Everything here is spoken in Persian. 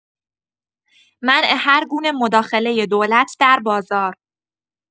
منع هرگونه مداخلۀ دولت در بازار